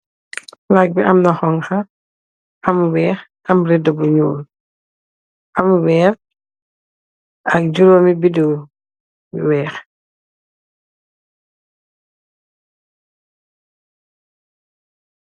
Naag bi amna xonxa am week am reda bu nuul am weer ak juroomi bidew yu weex.